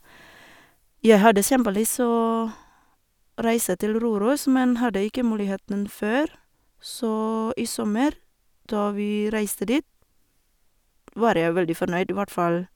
Jeg hadde kjempelyst å reise til Røros, men hadde ikke muligheten før, så i sommer, da vi reiste dit, var jeg veldig fornøyd, hvert fall.